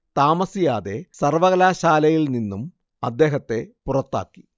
താമസിയാതെ സർവ്വകലാശാലയിൽ നിന്നും അദ്ദേഹത്തെ പുറത്താക്കി